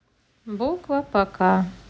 буква пока